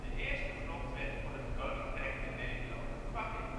eerste Grondwet voor het Koninkrijk der Nederlanden kwam in